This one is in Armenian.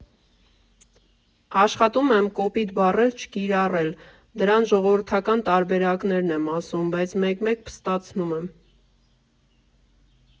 Աշխատում եմ կոպիտ բառեր չկիրառել, դրանց ժողովրդական տարբերակներն եմ ասում, բայց մեկ֊մեկ փստացնում եմ։